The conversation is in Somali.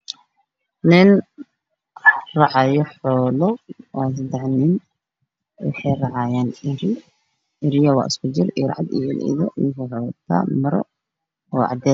Waa nin raacayo xoolo, waa seddex nin waxay raacayaan ari, ariga waa isku jir ari cad iyo ido, ninku waxuu wataa maro cad.